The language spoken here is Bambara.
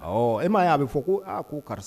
Ɔɔ, e m'a ye a bɛ fɔ ko, aa ko karisa